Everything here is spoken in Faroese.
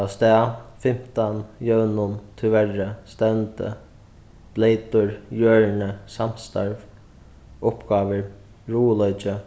avstað fimtan jøvnum tíverri stevndi bleytur jørðini samstarv uppgávur ruðuleiki